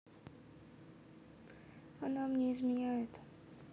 она мне изменяет